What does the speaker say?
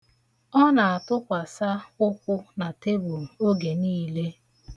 Ọ na-atụkwasa ụkwụ na tebul oge niile.